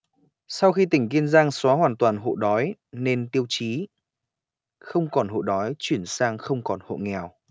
sau khi tỉnh kiên giang xóa hoàn toàn hộ đói nên tiêu chí không còn hộ đói chuyển sang không còn hộ nghèo